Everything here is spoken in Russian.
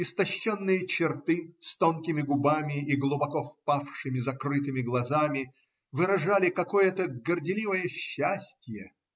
истощенные черты с тонкими губами и глубоко впавшими закрытыми глазами выражали какое-то горделивое счастье.